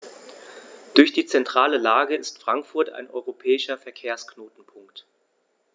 Durch die zentrale Lage ist Frankfurt ein europäischer Verkehrsknotenpunkt.